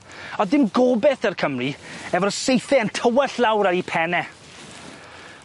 O'dd dim gobeth 'dy'r Cymru efo'r saethe yn tywall lawr ar eu penne.